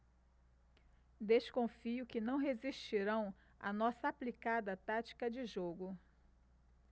desconfio que não resistirão à nossa aplicada tática de jogo